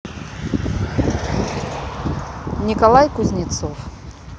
николай кузнецов